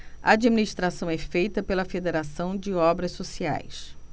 a administração é feita pela fos federação de obras sociais